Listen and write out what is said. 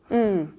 ja.